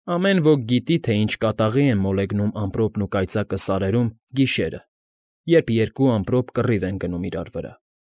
Ամեն ոք գիտի, թե ինչ կատաղի են մոլեգնում ամպրոպն ու կայծակը սարերում, գիշերը, երբ երկու ամպրոպ կռիվ են գնում իրար վրա։